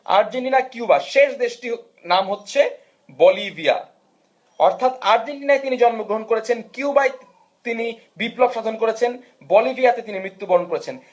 আর্জেন্টিনায় Cuba শেষ দেশটির নাম হচ্ছে বলিভিয়া অর্থাৎ আর্জেন্টিনার দিনে জন্মগ্রহণ করেছেন কিউবায় তিনি বিপ্লব সাধন করেছেন বলিভিয়া তো তিনি মৃত্যুবরণ করেছেন